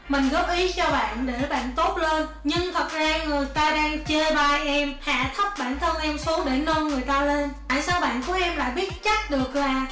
mình góp ý cho bạn để bạn tốt lên nhưng thật ra người ta đang chê bai em hạ thấp bản thân em xuống để nâng người ta lên tại sao bạn của em lại biết chắc được là